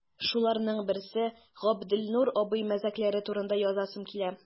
Шуларның берсе – Габделнур абый мәзәкләре турында язасым килә.